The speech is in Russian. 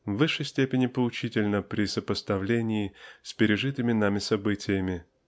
в высшей степени поучительна при сопоставлении с пережитыми нами событиями.